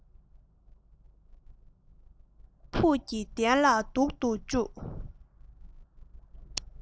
ཁྱིམ ཕུག གི གདན ལ འདུག ཏུ བཅུག